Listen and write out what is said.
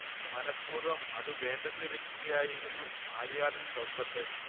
മനപ്പൂർവ്വം അത് വേണ്ടെന്ന് വയ്ക്കുകയായിരുന്നു ആര്യാടൻ ഷൗ്ക്കത്ത്